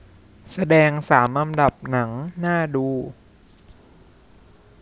แสดงสามอันดับหนังน่าดู